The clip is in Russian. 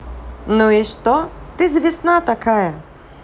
ну и что ты за весна такая